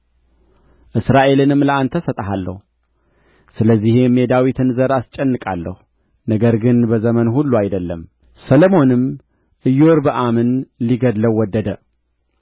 እስራኤልንም ለአንተ እሰጥሃለሁ ስለዚህም የዳዊትን ዘር አስጨንቃለሁ ነገር ግን በዘመን ሁሉ አይደለም ሰሎሞንም ኢዮርብዓምን ሊገድለው ወደደ